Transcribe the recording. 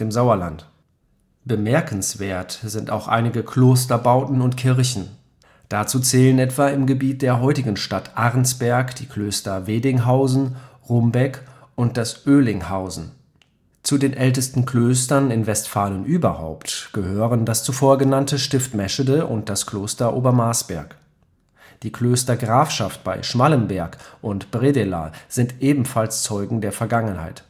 Sauerland. Bemerkenswert sind auch einige Klosterbauten und - kirchen. Dazu zählen etwa im Gebiet der heutigen Stadt Arnsberg die Klöster Wedinghausen, Rumbeck und das Oelinghausen. Zu den ältesten Klöstern in Westfalen überhaupt gehören das zuvor genannte Stift Meschede und das Kloster Obermarsberg. Die Klöster Grafschaft bei Schmallenberg und Bredelar sind ebenfalls Zeugen der Vergangenheit